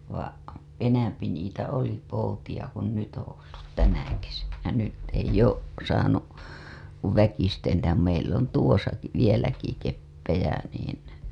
vaan enempi niitä oli poutia kun nyt on ollut tänä kesänä nyt ei ole saanut kuin väkisisin ja meillä on tuossakin keppejä niin